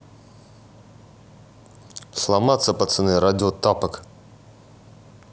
сломаться пацаны радио тапок